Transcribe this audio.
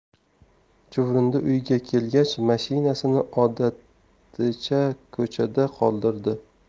chuvrindi uyga kelgach mashinasini odaticha ko'chada qoldirdi